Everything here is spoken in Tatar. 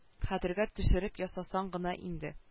Хәтергә төшереп ясасаң гына инде